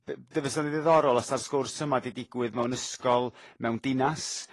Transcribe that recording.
B- be' fasa'n yn ddiddorol os 'a'r sgwrs yma 'di digwydd mewn ysgol mewn dinas